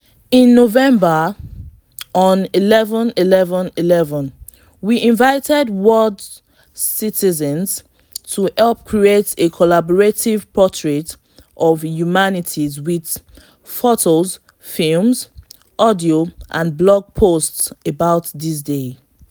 In November, on 11/11/11 we invite world citizens to help create a collaborative portrait of humanity with: photos, films, audio, and blog posts about this day.